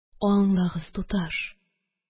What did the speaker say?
Аңлаңыз, туташ!